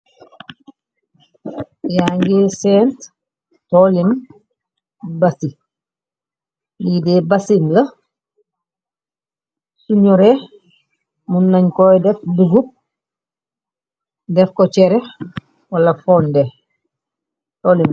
Yaa ngi seent tolim basi le deh basim la su ñure mun nañ koy def dugub def ko chereh wala fondeh.